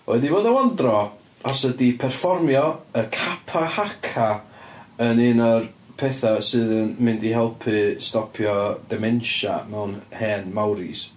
Wedi bod yn wondro os ydy perfformio y Kapa Haka yn un o'r petha sydd yn mynd i helpu stopio dementia mewn hen Māoris.